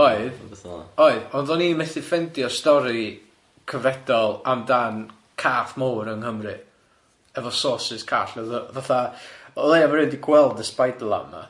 Oedd... Wbath fel a. ...oedd ond o'n i methu ffeindio stori cyfedol amdan cath mowr yng Nghymru efo sources call fatha oedd o leiaf ma rywun wedi gweld y spider lamb ma.